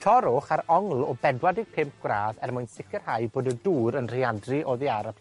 Torrwch ar ongl o bedwar deg pump gwradd er mwyn sicirhau bod y dŵr yn rheadru odd ar y